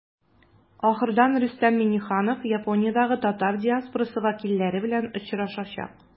Ахырдан Рөстәм Миңнеханов Япониядә татар диаспорасы вәкилләре белән очрашачак.